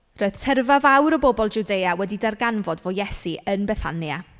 Roedd tyrfa fawr o bobl Jiwdea wedi darganfod fod Iesu yn Bethania.